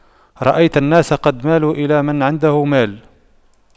رأيت الناس قد مالوا إلى من عنده مال